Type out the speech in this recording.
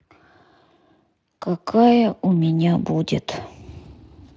какая у меня будет